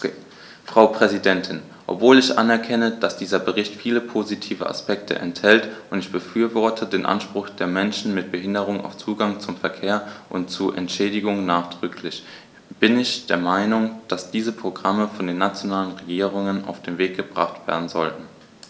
Frau Präsidentin, obwohl ich anerkenne, dass dieser Bericht viele positive Aspekte enthält - und ich befürworte den Anspruch der Menschen mit Behinderung auf Zugang zum Verkehr und zu Entschädigung nachdrücklich -, bin ich der Meinung, dass diese Programme von den nationalen Regierungen auf den Weg gebracht werden sollten.